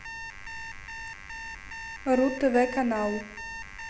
ру тв канал